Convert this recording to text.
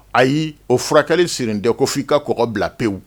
Ayi o furakɛli sirilen tɛ ko f'i ka kɔgɔ bila pewu.